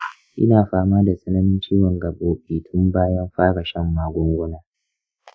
ina fama da tsananin ciwon gabobi tun bayan fara shan magunguna.